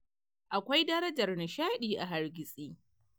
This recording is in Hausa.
Akwai darajar nishaɗi a hargitsi.